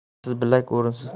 mehnatsiz bilak o'rinsiz tilak